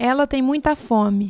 ela tem muita fome